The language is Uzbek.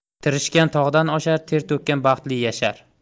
tirishgan tog'dan oshar ter to'kkan baxtli yashar